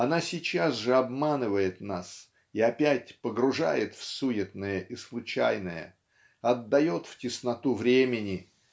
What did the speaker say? она сейчас же обманывает нас и опять погружает в суетное и случайное отдает в тесноту времени